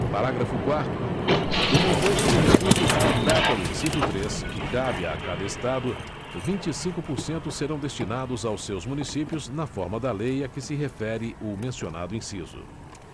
parágrafo quarto do montante de recursos de que trata o inciso três que cabe a cada estado vinte e cinco por cento serão destinados aos seus municípios na forma da lei a que se refere o mencionado inciso